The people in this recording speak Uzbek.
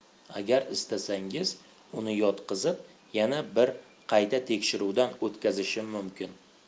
agar istasangiz uni yotqizib yana bir qayta tekshiruvdan o'tkazishim mumkin